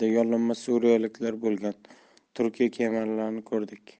bergan va'dasi tamomila teskari harakatdir deydi makron